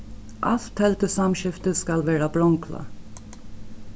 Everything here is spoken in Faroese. alt teldusamskifti skal vera bronglað